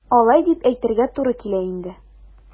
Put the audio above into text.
Алай дип әйтергә туры килә инде.